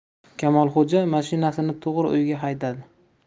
kamolxo'ja mashinasini to'g'ri uyga haydadi